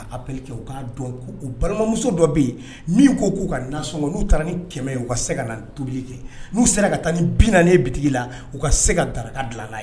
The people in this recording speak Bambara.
Ke' dɔn balimamuso dɔ bɛ yen min ko k'u ka na sɔn n'u taara ni kɛmɛ u ka se ka tobili kɛ n'u sera ka taa ni bi nalen bi la u ka se ka daraka dilanla ye